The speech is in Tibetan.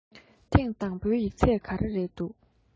ཐེང དང པོའི ཡིག ཚད ག རེ རེད འདུག